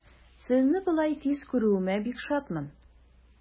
Сезне болай тиз күрүемә бик шатмын.